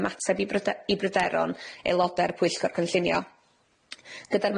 ymateb i bryde- i bryderon aelodau'r Pwyllgor Cynllunio gyda'r